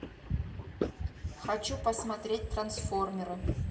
хочу посмотреть трансформеры